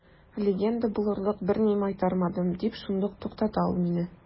Легенда булырлык берни майтармадым, – дип шундук туктата ул мине.